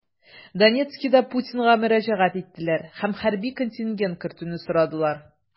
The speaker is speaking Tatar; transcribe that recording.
Донецкида Путинга мөрәҗәгать иттеләр һәм хәрби контингент кертүне сорадылар.